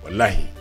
Wallahi